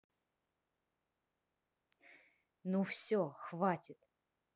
ну все хватит